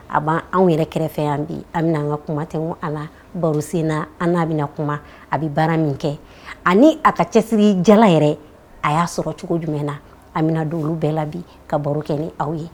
A b'a anw yɛrɛ kɛrɛfɛ yan bi an be n'an ka kuma tɛŋu a la barosen na an n'a bɛna kuma a bɛ baara min kɛ ani a ka cɛsirijala yɛrɛ a y'a sɔrɔ cogo jumɛn na an bɛna don olu bɛɛ la bi ka baro kɛ ni aw ye